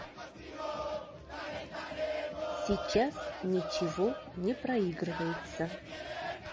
сейчас ничего не проигрывается